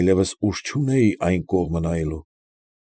Այլևս ուժ չունեի այն կողմը նայելու։